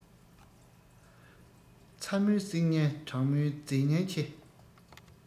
ཚ མོས བསྲེག ཉེན གྲང མོས རྫས ཉེན ཆེ